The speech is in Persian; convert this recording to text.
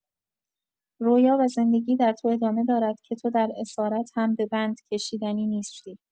رویا و زندگی در تو ادامه دارد که تو در اسارت هم به بند کشیدنی نیستی.